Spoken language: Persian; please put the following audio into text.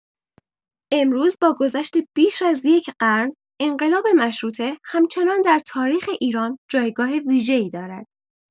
امروز با گذشت بیش از یک قرن، انقلاب مشروطه همچنان در تاریخ ایران جایگاه ویژه‌ای دارد.